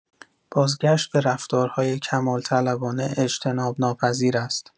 بازگشت به رفتارهای کمال‌طلبانه اجتناب‌ناپذیر است.